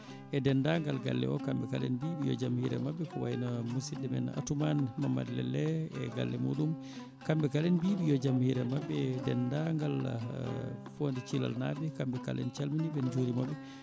e dendagal galle o kamɓe kala en mbiɓe yo jaam hiire mabɓe ko wayno musidɗo men Atoumane Mamadou Lellé e galle muɗum kamɓe kala en mbiɓe yo jaam hiire mabɓe e dendagal Fonde Thilal naaɓe kamɓe kala en calminiɓe en jurimoɓe